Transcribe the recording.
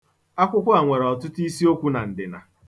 Akwụkwọ a nwere ọtụtụ isiokwu na ndịna.